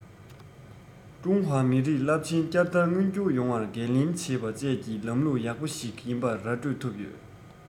ཀྲུང ཧྭ མི རིགས རླབས ཆེན བསྐྱར དར མངོན འགྱུར ཡོང བ འགན ལེན བྱེད པ བཅས ཀྱི ལམ ལུགས ཡག པོ ཞིག ཡིན པ ར སྤྲོད ཐུབ ཡོད